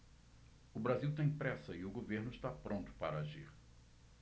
o brasil tem pressa e o governo está pronto para agir